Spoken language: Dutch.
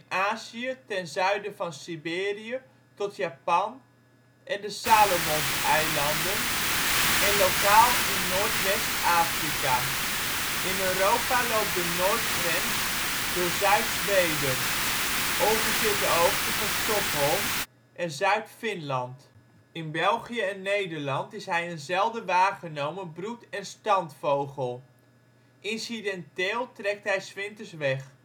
Azië ten zuiden van Siberië tot Japan en de Salomonseilanden, en lokaal in Noordwest Afrika. In Europa loopt de noordgrens door Zuid-Zweden, ongeveer ter hoogte van Stockholm, en Zuid-Finland. In België en Nederland is hij een zelden waargenomen broed - en standvogel. Incidenteel trekt hij ' s winters weg